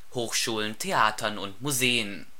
Hochschulen, Theatern und Museen